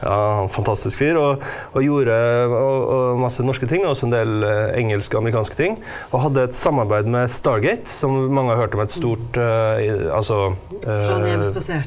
ja han fantastisk fyr og og gjorde og og masse norske ting da også en del engelsk-amerikanske ting og hadde et samarbeid med Stargate som mange har hørt om, et stort altså .